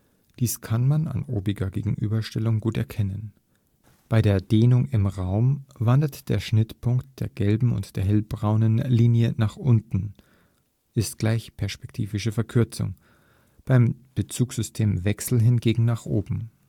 Dies kann man an obiger Gegenüberstellung gut erkennen: Bei der Drehung im Raum wandert der Schnittpunkt der gelben und der hellbraunen Linie nach unten (perspektivische Verkürzung), beim Bezugssystemwechsel hingegen nach oben